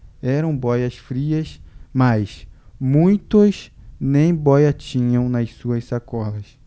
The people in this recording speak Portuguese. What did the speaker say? eram bóias-frias mas muitos nem bóia tinham nas suas sacolas